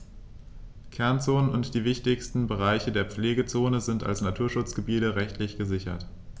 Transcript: Kernzonen und die wichtigsten Bereiche der Pflegezone sind als Naturschutzgebiete rechtlich gesichert.